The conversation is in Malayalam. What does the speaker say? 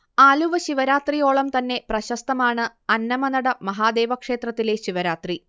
ആലുവ ശിവരാത്രിയോളം തന്നെ പ്രശസ്തമാണ് അന്നമനട മഹാദേവ ക്ഷേത്രത്തിലെ ശിവരാത്രി